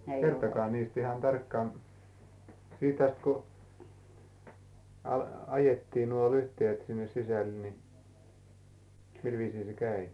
kertokaa niistä ihan tarkkaan siitä asti kun - ajettiin nuo lyhteet sinne sisälle niin millä viisiin se kävi